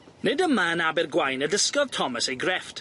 Nid yma yn Abergwaun y dysgodd Thomas ei grefft.